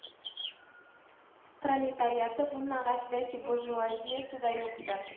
Пролетариаты булмагач, бәлки, буржуазиясе дә юктыр